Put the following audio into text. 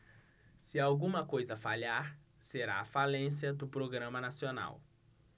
se alguma coisa falhar será a falência do programa nacional